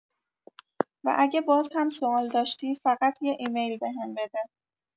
و اگه باز هم سوال داشتی، فقط یه ایمیل بهم بده.